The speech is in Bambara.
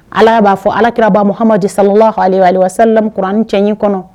Ala b'a fɔ alakira bamu hamadu salahaale sallamkuranin cɛɲ kɔnɔ